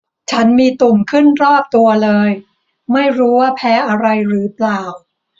ฉันมีตุ่มขึ้นรอบตัวเลยไม่รู้ว่าแพ้อะไรหรือเปล่า